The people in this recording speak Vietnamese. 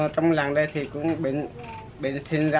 trong làng đây cũng bịn bịn sinh ra